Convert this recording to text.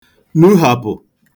nuhàpụ̀